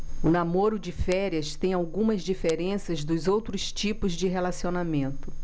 o namoro de férias tem algumas diferenças dos outros tipos de relacionamento